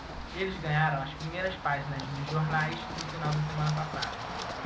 eles ganharam as primeiras páginas dos jornais do final da semana passada